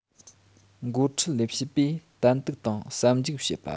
འགོ ཁྲིད ལས བྱེད པས ཏན ཏིག དང ཟབ འཇུག བྱེད པ